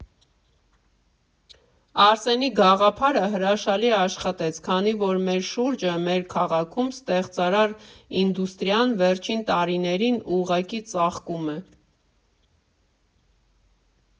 Արսենի գաղափարը հրաշալի աշխատեց, քանի որ մեր շուրջը, մեր քաղաքում ստեղծարար ինդուստրիան վերջին տարիներին ուղղակի ծաղկում է։